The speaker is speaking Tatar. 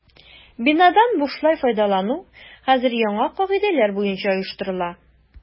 Бинадан бушлай файдалану хәзер яңа кагыйдәләр буенча оештырыла.